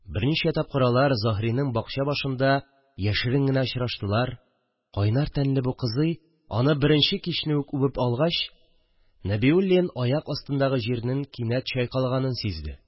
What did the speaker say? Берничә тапкыр алар Заһриның бакча башында яшерен генә очраштылар, кайнар тәнле бу кызый аны беренче кичне үк үбеп алгач, Нәбиуллин аяк астындагы җирнең кинәт чайкалганын сизде